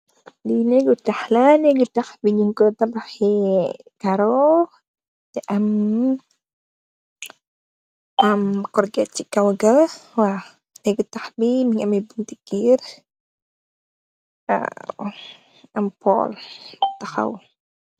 Li negi tahh la. Negg bi yung ko tabahe Karo teh am corrugate si kaw ga. Waaw negi tahh b mungi ameh bunti kerr, waaw am poll tahaw.